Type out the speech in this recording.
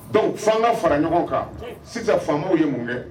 Donc f'an ka fara ɲɔgɔn kan sisan faamaw ye mun kɛ.